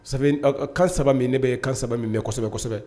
Sabu kan saba min ne bɛ ye kan saba min kosɛbɛsɛbɛ